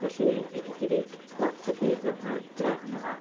Felly fedri di roid lot o ffydd yn y drefn yna.